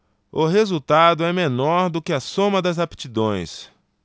o resultado é menor do que a soma das aptidões